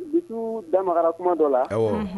Bitɔntu dan marara kuma dɔ la